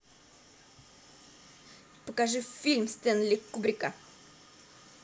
покажи фильм стэнли кубрика